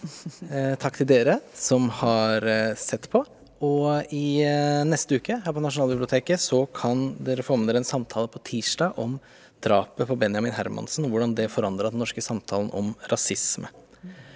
takk til dere som har sett på og i neste uke her på Nasjonalbiblioteket så kan dere få med dere en samtale på tirsdag om drapet på Benjamin Hermansen, og hvordan det forandra den norske samtalen om rasisme.